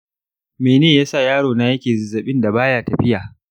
mene yasa yaro na yake zazzaɓin da baya tafiya?